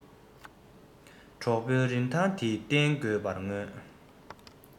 གྲོགས པོའི རིན ཐང འདི རྟེན དགོས པར མངོན